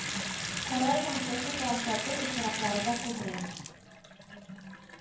Корал, наркотиклар сату очраклары да күбрәк